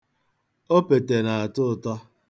Opete na-atọ ụtọ.